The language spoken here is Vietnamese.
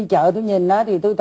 đi chợ tôi nhìn nó thì tội